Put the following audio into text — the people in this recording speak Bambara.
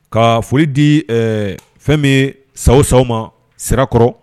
Ka foli di fɛn min sa sa ma sirakɔrɔ